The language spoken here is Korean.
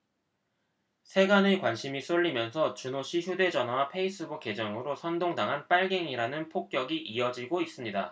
세간의 관심이 쏠리면서 준호씨 휴대전화와 페이스북 계정으로 선동 당한 빨갱이라는 폭격이 이어지고 있습니다